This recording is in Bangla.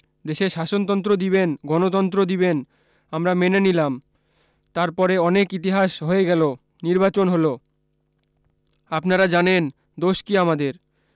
দেশে শাসনতন্ত্র দিবেন গনতন্ত্র দিবেন আমরা মেনে নিলাম তারপরে অনেক ইতিহাস হয়ে গেলো নির্বাচন হলো আপনারা জানেন দোষ কি আমাদের